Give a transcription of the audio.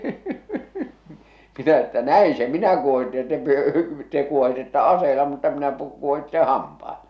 minä että näin se minä kuohitsen ja te - te kuohitsette aseella mutta minä - kuohitsen hampailla